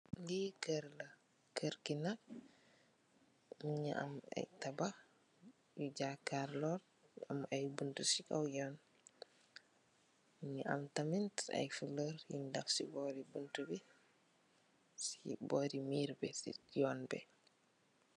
ni kerr la kerr gi mugi am ay tabah yo jakaro am ay bunto ci kaww yun bi mugi am tamit ay flowr yun def ci borri bunto bi ci borri mirr bi ci yun bi